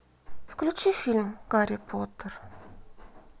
включи фильм гарри поттер